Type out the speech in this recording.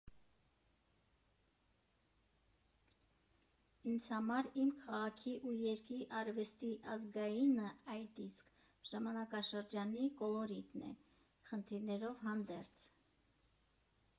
Ինձ համար իմ քաղաքի ու երկրի արվեստի ազգայինը այդ իսկ ժամանակաշրջանի կոլորիտն է՝ խնդիրներով հանդերձ։